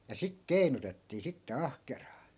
ja sitten keinutettiin sitten ahkeraan